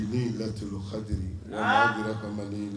Lati kate jira kamalen